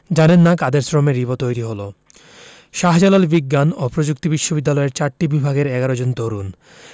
জানেন না কাদের শ্রমে রিবো তৈরি হলো শাহজালাল বিজ্ঞান ও প্রযুক্তি বিশ্ববিদ্যালয়ের চারটি বিভাগের ১১ জন তরুণ